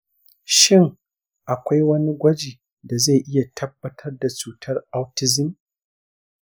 shin akwai wani gwaji da zai iya tabbatar da cutar autism?